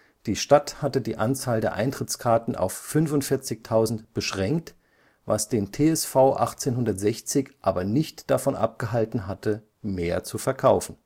Die Stadt hatte die Anzahl der Eintrittskarten auf 45.000 beschränkt, was den TSV 1860 aber nicht davon abgehalten hatte, mehr zu verkaufen